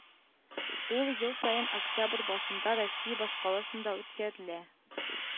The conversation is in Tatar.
Ул ел саен октябрь башында Россия башкаласында үткәрелә